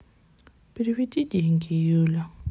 переведи деньги юле